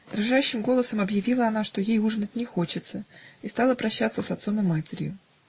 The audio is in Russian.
Дрожащим голосом объявила она, что ей ужинать не хочется, и стала прощаться с отцом и матерью.